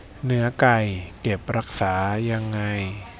เนื้อไก่เก็บรักษายังไง